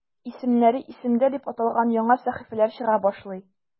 "исемнәре – исемдә" дип аталган яңа сәхифәләр чыга башлый.